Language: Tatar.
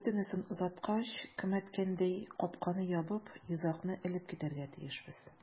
Бөтенесен озаткач, кем әйткәндәй, капканы ябып, йозакны элеп китәргә тиешбез.